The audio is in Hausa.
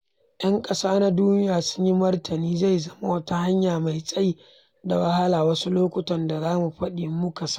‘Yan ƙasa na duniya sun yi martani: Zai zama wata hanya mai tsayi da wahala - wasu lokutan za mu faɗi muka kasa.